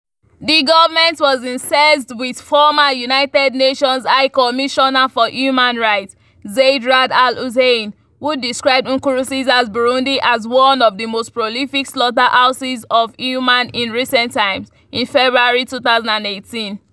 The government was incensed with former United Nations High Commissioner for Human Rights, Zeid Ra'ad Al Hussein, who described Nkurunziza’s Burundi as one of the "most prolific slaughterhouses of humans in recent times" in February 2018.